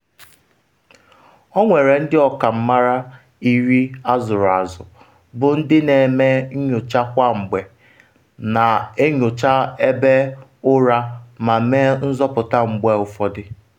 Ọ nwere ndị ọkammara iri azụrụ azụ bụ ndị na-eme nyocha kwa mgbe, na-enyocha ebe ụra ma mee nzọpụta mgbe ụfọdụ.